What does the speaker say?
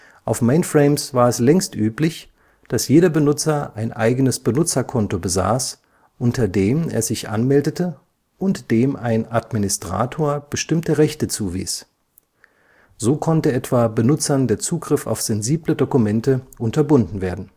Auf Mainframes war es längst üblich, dass jeder Benutzer ein eigenes Benutzerkonto besaß, unter dem er sich anmeldete und dem ein Administrator bestimmte Rechte zuwies; so konnte etwa Benutzern der Zugriff auf sensible Dokumente unterbunden werden